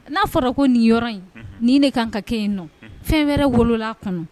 N'a fɔra ko nin yɔrɔ in nin de kan ka kɛ in nɔ fɛn wɛrɛ wolola kɔnɔ